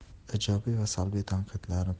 ijobiy va salbiy tanqidlarni